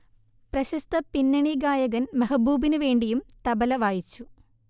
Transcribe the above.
പ്രശസ്ത പിന്നണിഗായകൻ മെഹബൂബിനു വേണ്ടിയും തബല വായിച്ചു